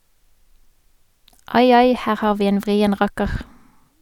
Ai ai, her har vi en vrien rakker.